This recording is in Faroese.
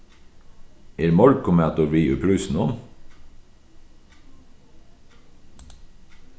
er morgunmatur við í prísinum